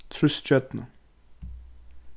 trýst stjørnu